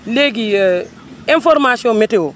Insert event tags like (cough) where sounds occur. léegi (hesitation) information météo